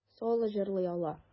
Соло җырлый ала.